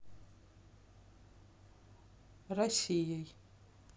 россией